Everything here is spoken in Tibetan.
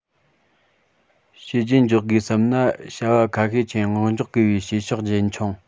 བྱས རྗེས འཇོག དགོས བསམས ན བྱ བ ཁ ཤས ཆེད མངགས འཇོག དགོས པའི བྱེད ཕྱོགས རྒྱུན འཁྱོངས